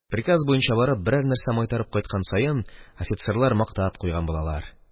Приказ буенча барып, берәр нәрсә майтарып кайткан саен, офицерлар мактап куйган булалар: «